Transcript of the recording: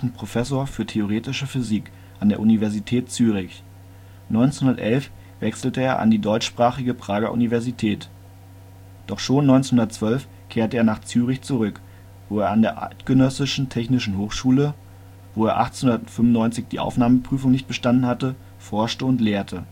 Professor für theoretische Physik an der Universität Zürich. 1911 wechselte er an die deutschsprachige Prager Universität. Doch schon 1912 kehrte er nach Zürich zurück, wo er an der Eidgenössischen Technischen Hochschule (wo er 1895 die Aufnahmeprüfung nicht bestanden hatte) forschte und lehrte